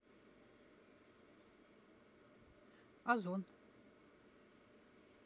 озон